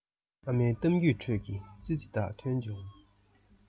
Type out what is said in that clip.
ཨ མའི གཏམ རྒྱུད ཁྲོད ཀྱི ཙི ཙི དག ཐོན བྱུང